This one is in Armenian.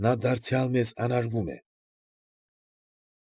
Նա դարձյալ մեզ անարգում է։